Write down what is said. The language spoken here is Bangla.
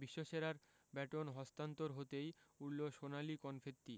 বিশ্বসেরার ব্যাটন হস্তান্তর হতেই উড়ল সোনালি কনফেত্তি